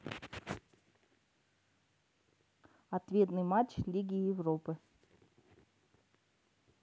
ответный матч лиги европы